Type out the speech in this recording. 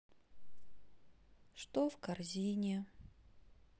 что в корзине